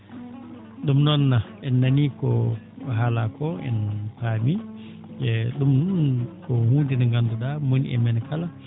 ?um noon en nanii ko haalaa koo en paamii e ?um noon ko huunde nde nganndu?aa mo woni e men kala